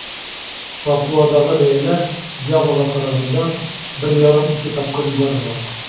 Папуадагы бәяләр Явага караганда 1,5-2 тапкыр югарырак.